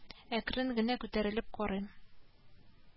Әкрен генә күтәрелеп карыйм